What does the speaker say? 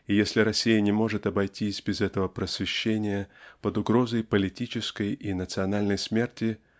и если Россия не может обойтись без этого просвещения под угрозой политической и национальной смерти